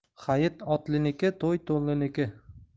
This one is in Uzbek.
hayit otliniki to'y to'nliniki